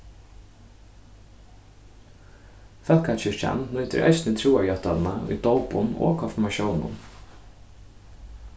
fólkakirkjan nýtir eisini trúarjáttanina í dópum og konfirmatiónum